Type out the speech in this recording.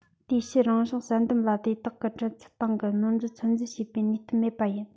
དེའི ཕྱིར རང བྱུང བསལ འདེམས ལ དེ དག གི གྲུབ ཚུལ སྟེང གི ནོར འཛོལ ཚོད འཛིན བྱེད པའི ནུས སྟོབས མེད པ ཡིན